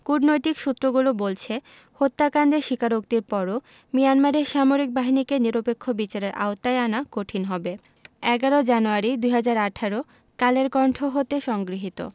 কূটনৈতিক সূত্রগুলো বলছে হত্যাকাণ্ডের স্বীকারোক্তির পরও মিয়ানমারের সামরিক বাহিনীকে নিরপেক্ষ বিচারের আওতায় আনা কঠিন হবে ১১ জানুয়ারি ২০১৮ কালের কন্ঠ হতে সংগৃহীত